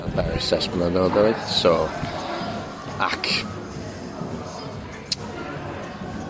Llanberis ers blynyddoedd so... Ac